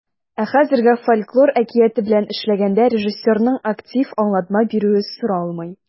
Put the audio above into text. Ә хәзергә фольклор әкияте белән эшләгәндә режиссерның актив аңлатма бирүе соралмый.